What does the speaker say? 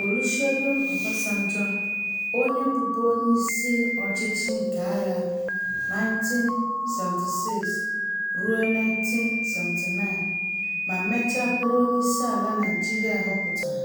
Olusegun Obasanjo, onye bụbu onyeisi ọchịchị keagha (1976-1979) ma mechaa bụrụ onyeisiala Naịjirịa họpụtara